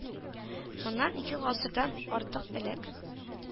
Моннан ике гасырдан артык элек,